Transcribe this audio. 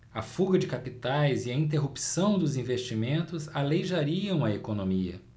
a fuga de capitais e a interrupção dos investimentos aleijariam a economia